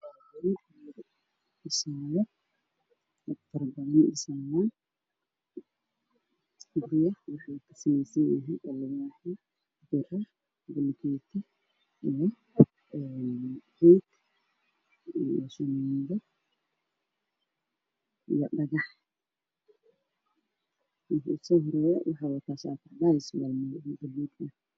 Waxaa ii muuqda niman guri dhisaya iyo kuwa kale oo soo fiirinayo waxaa hortiisa ku yaala cad dhanka bidix iyo gurijaalle ah waxaa meesha lagu shaqeynayaa yaalo han biyo ku jiraan oo caddeys ah qorna ugu xiran tahay biro